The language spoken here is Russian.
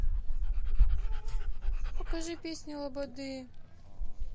покажи песни лободы